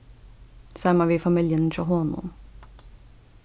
saman við familjuni hjá honum